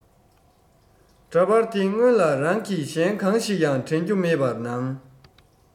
འདྲ པར དེ སྔོན ལ རང གི གཞན གང ཞིག ཡང དྲན རྒྱུ མེད པར ནང